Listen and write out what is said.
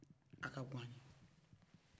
a ka g'ana